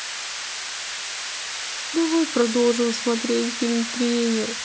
давай продолжим смотреть фильм тренер